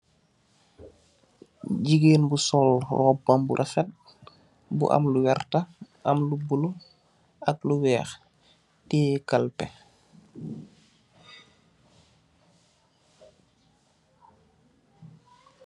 Jigéen bu sol roobam bu rafet bu am lu werta, am lu bulo ak lu weex. Tiye kalpe.